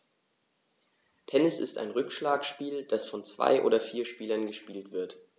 Tennis ist ein Rückschlagspiel, das von zwei oder vier Spielern gespielt wird.